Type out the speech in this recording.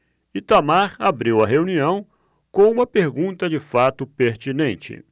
itamar abriu a reunião com uma pergunta de fato pertinente